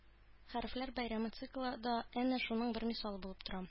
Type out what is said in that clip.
«хәрефләр бәйрәме» циклы да әнә шуның бер мисалы булып тора